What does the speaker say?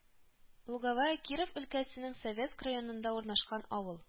Луговая Киров өлкәсенең Советск районында урнашкан авыл